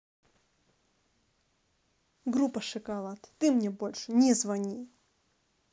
группа шоколад ты мне больше не звони